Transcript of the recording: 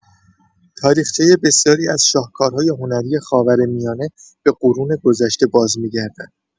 تاریخچه بسیاری از شاهکارهای هنری خاورمیانه به قرون گذشته بازمی‌گردد.